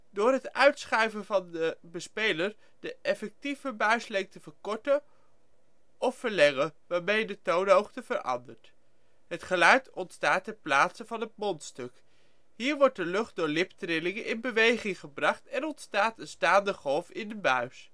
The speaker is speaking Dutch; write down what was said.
Door het uitschuiven kan de bespeler de effectieve buislengte verkorten of verlengen, waarmee ook de toonhoogte verandert. Het geluid ontstaat ter plaatse van het mondstuk. Hier wordt de lucht door liptrillingen in beweging gebracht en ontstaat een staande golf in de buis